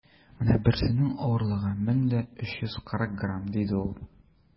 - менә берсенең авырлыгы 1340 грамм, - диде ул.